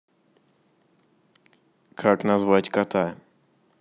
как назвать кота